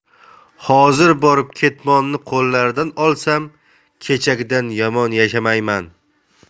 hozir borib ketmonni qo'llaridan olsam kechagidan yomon yashamayman